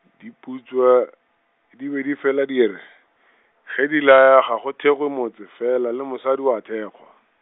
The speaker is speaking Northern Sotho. diputswa, di be di fela di re, ge di laya ga go thekgwe motse fela le mosadi o a thekgwa.